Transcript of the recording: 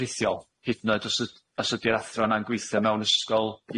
rhithiol hyd yn oed os y- os ydi'r athro 'na'n gweithio mewn ysgol